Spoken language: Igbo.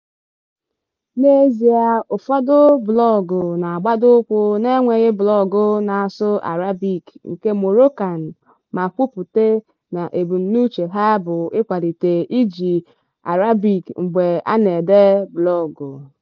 N'ezie, ụfọdụ blọọgụ na-agbado ụkwụ n'enweghị blọọgụ na-asụ Arabic nke Moroccan ma kwupụta na ebumnuche ha bụ ịkwalite iji Arabic mgbe a na-ede blọọgụ.